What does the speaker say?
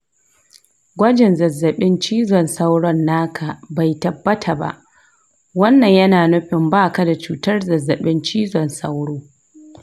gwajin zazzabin cizon sauron naka bai tabbata ba, wannan yana nufin ba ka da cutar zazzabin cizon sauro